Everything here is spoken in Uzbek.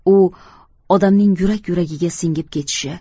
u odamning yurak yuragiga singib ketishi